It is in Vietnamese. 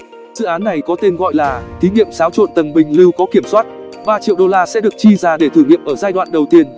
dự án này có tên gọi là thí nghiệm xáo trộn tầng bình lưu có kiểm soát triệu đô la sẽ được chi ra để thử nghiệm ở giai đoạn đầu tiên